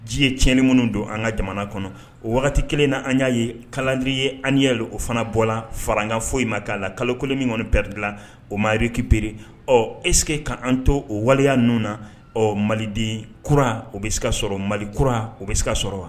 Ji ye tiɲɛn minnu don an ka jamana kɔnɔ o wagati kelen na an y'a ye kaladiri ye an ya o fana bɔ la fara ankan fɔ in ma k'a la kalo kolo min kɔniɔni pereri dilan o marekipereri ɔ es kaan to o waleya ninnu na ɔ maliden kura o bɛ se ka sɔrɔ mali kura o bɛ se k ka sɔrɔ wa